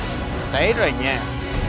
thấy rồi nha